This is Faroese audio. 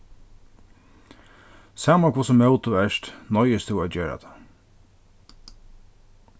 sama hvussu móð tú ert noyðist tú at gera tað